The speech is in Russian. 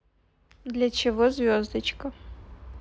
для чего звездочка